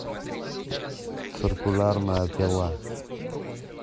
циркулярная пила